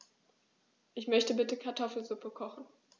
Ich möchte bitte Kartoffelsuppe kochen.